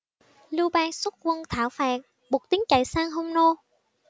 lưu bang xuất quân thảo phạt buộc tín chạy sang hung nô